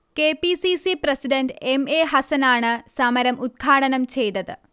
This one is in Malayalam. K. P. C. C president M A ഹസനാണ് സമരം ഉദ്ഘാടനം ചെയ്തത്